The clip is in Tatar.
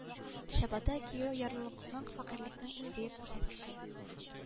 Чабата кию ярлылыкның фәкыйрьлекнең иң бөек күрсәткече